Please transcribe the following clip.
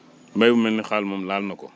mbéy bu mel ne xaal moom laal na ko